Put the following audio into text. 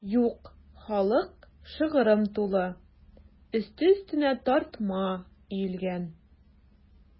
Юк, халык шыгрым тулы, өсте-өстенә тартма өелгән.